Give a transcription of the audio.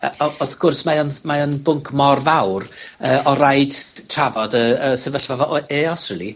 yy w- wrth gwrs mae o'n mae o'n bwnc mor fawr, yy o raid t- trafod y y sefyllfa efo O- Eos rili.